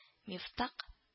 Мифтак